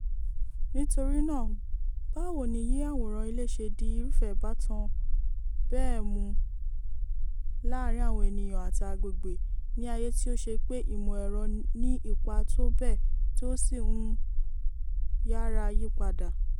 Nítorí náà báwo ní yíyàwòrán ilé ṣe di irúfẹ́ ìbátan bẹ́ẹ̀ mú láàárín àwọn ènìyàn àti agbègbè ní ayé tí ó ṣe pé ìmọ̀ ẹ̀rọ ní ipa tó bẹ́ẹ̀ tí ó sì ń yára yípadà.